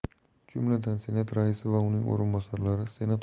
jumladan senat raisi va uning o'rinbosarlari senat